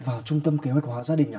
vào trung tâm kế hoạch hóa gia đình à